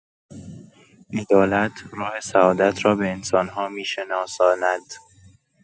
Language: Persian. عدالت راه سعادت را به انسان‌ها می‌شناساند